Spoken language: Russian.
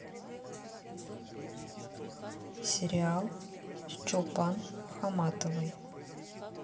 сериал с чулпан хаматовой